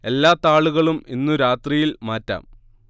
എല്ലാ താളുകളും ഇന്നു രാത്രിയിൽ മാറ്റാം